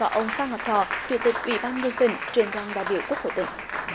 ông phan ngọc thọ chủ tịch ủy ban nhân dân tỉnh trưởng đoàn đại biểu quốc hội tỉnh